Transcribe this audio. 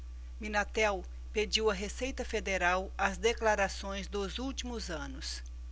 minatel pediu à receita federal as declarações dos últimos anos